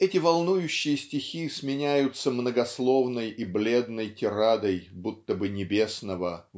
эти волнующие стихи сменяются многословной и бледной тирадой будто бы небесного